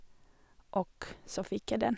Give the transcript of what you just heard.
Og så fikk jeg den.